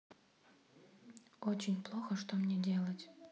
очень плохо что мне делать